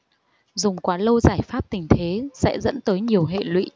dùng quá lâu giải pháp tình thế sẽ dẫn tới nhiều hệ lụy